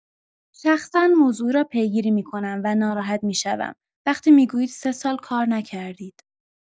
شخصا موضوع را پیگیری می‌کنم و ناراحت می‌شوم وقتی می‌گویید سه سال کار نکردید؛